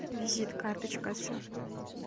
visit kartochkasi